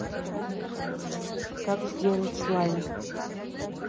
как сделать слайм